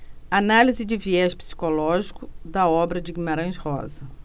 análise de viés psicológico da obra de guimarães rosa